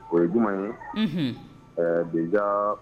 O ye jumɛn ye ɛɛ bin